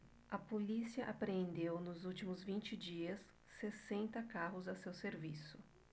a polícia apreendeu nos últimos vinte dias sessenta carros a seu serviço